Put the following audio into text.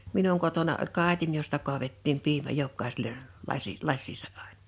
minun kotona oli kaadin josta kaadettiin piimä jokaiselle lasi lasiinsa aina